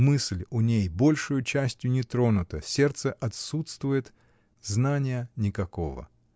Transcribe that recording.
Мысль у ней большею частию нетронута, сердце отсутствует, знания никакого.